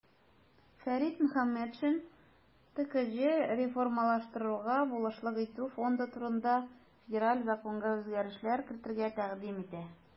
Фәрит Мөхәммәтшин "ТКҖ реформалаштыруга булышлык итү фонды турында" Федераль законга үзгәрешләр кертергә тәкъдим итә.